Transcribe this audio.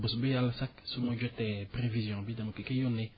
bés bu Yàlla sàkk su ma jotee prévision bi dama ko koy yónnee